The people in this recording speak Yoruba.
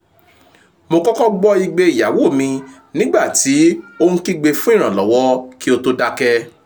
“Mo kọ́kọ́ gbọ́ igbe ìyàwó mi nígbà tí ó ń kígbé fún ìrànlọ́wọ́, kí ó tó dákẹ́.